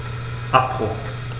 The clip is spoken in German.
Abbruch.